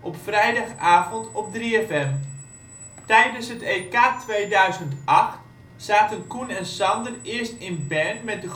op vrijdagavond op 3FM. Tijdens het EK 2008 zaten Coen en Sander eerst in Bern met de